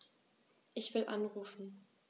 Ich will anrufen.